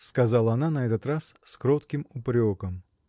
– сказала она на этот раз с кротким упреком.